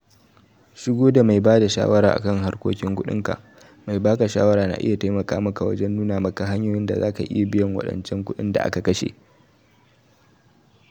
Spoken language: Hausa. Shigo da mai bada shawara akan harkokin kudin ka: Mai baka shawara na iya taimaka maka ne wajen nuna maka hanyoyin da zaka iya biyan wadancan kudin da aka kashe.